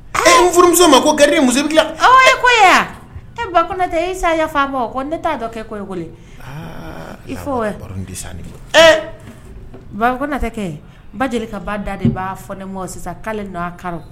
A ye furumuso ma ko gari muso aw ye ko e batɛ e sa fa ne t'a dɔn kɛ ko koyi i ko babatɛ kɛ n ba deli ka ba da de b'a fɔ ne mɔgɔ sisan k'ale nɔ kari